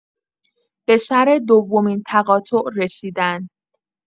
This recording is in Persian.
به سر دومین تقاطع رسیدند.